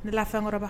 Ne la fɛn kɔrɔ